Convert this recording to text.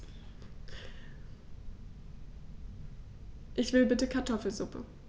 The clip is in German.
Ich will bitte Kartoffelsuppe.